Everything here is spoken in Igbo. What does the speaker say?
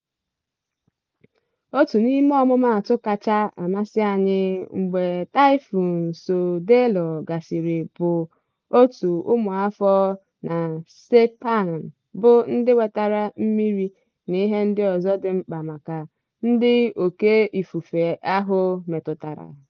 Otu n'ime ọmụmaatụ kacha amasị anyị mgbe Typhoon Soudelor gasịrị bụ òtù ụmụafọ na Saipan bụ ndị wetara mmiri na ihe ndị ọzọ dị mkpa maka ndị oké ifufe ahụ metụtara.